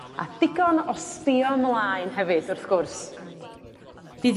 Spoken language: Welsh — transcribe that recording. a digon o sbïo mlaen hefyd wrth gwrs. Bydd...